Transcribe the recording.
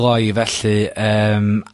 gloi felly, yym